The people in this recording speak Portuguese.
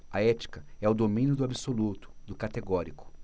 a ética é o domínio do absoluto do categórico